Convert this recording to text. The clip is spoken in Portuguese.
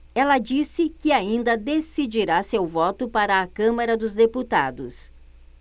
ela disse que ainda decidirá seu voto para a câmara dos deputados